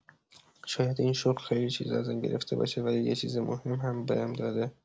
شاید این شغل خیلی چیزا ازم گرفته باشه، ولی یه چیز مهم هم بهم داده.